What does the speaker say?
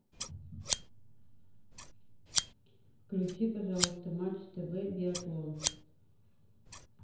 включи пожалуйста матч тв биатлон